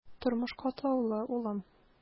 Тормыш катлаулы, улым.